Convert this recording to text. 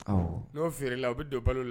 N'o feerela u bɛ don balo la